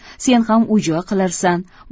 sen ham uy joy qilarsan